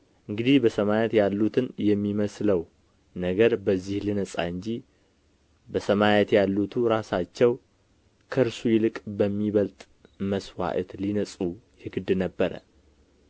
እንግዲህ በሰማያት ያሉትን የሚመስለው ነገር በዚህ ሊነጻ እንጂ በሰማያት ያሉቱ ራሳቸው ከእርሱ ይልቅ በሚበልጥ መስዋዕት ሊነጹ የግድ ነበረ